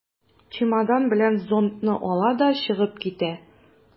Чемодан белән зонтны ала да чыгып китә.